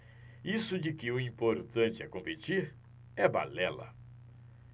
isso de que o importante é competir é balela